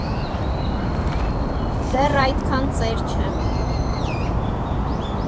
Դեռ այդքան ծեր չեմ։